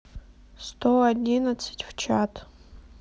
сто одиннадцать в чат